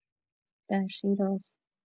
در شیراز